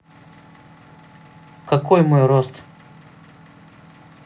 какой мой рост